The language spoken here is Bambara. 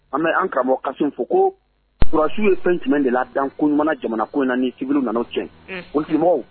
An bɛ an karamɔgɔ kasum fo ko sɔrasiw ye fɛn jumɛn de ladan koɲuman nan ko civil nana k'o tiɲɛ , unhun, pɔltigimɔgɔw.